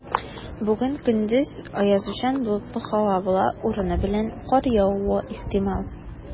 Бүген көндез аязучан болытлы һава була, урыны белән кар явуы ихтимал.